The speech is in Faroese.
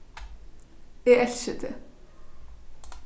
eg elski teg